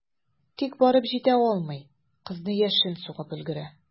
Тик барып җитә алмый, кызны яшен сугып өлгерә.